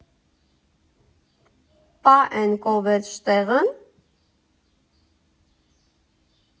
Պա էն կովերտ շտեղը՞ն։